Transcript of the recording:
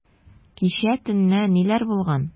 Кичә төнлә ниләр булган?